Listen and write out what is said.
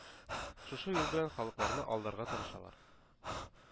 Шушы юл белән халыкларны алдарга тырышалар.